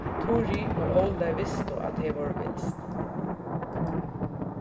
turið og óli vistu at tey vóru vilst